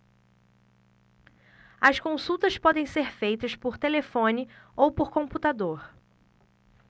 as consultas podem ser feitas por telefone ou por computador